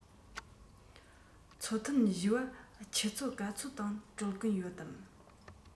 ཚོགས ཐུན བཞི པ ཆུ ཚོད ག ཚོད སྟེང གྲོལ གི ཡོད དམ